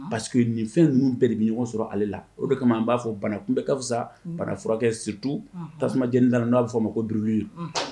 Nin fɛn ninnu bɛɛ de bɛ ɲɔgɔn sɔrɔ ale la o de kama n b'a fɔ banakun bɛ fisasa bana furakɛtu tasuma j n' b'a fɔ ma ko b ye